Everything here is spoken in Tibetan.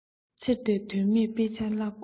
ཚེ འདིར དོན མེད དཔེ ཆ བཀླག དགོས མེད